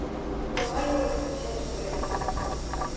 Яңа ел – үзенчәлекле бәйрәм.